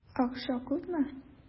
Акча күпме?